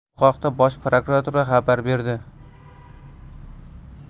bu haqda bosh prokuratura xabar berdi